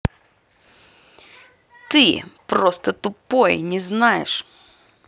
ты просто тупой не знаешь